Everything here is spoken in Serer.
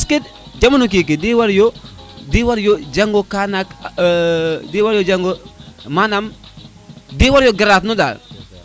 parce que jamano keke de waru yo de waru yo jango kana nak de waru yo jang manaam de waru yo garad no dal